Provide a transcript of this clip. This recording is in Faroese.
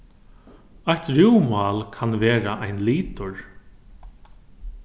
eitt rúmmál kann vera ein litur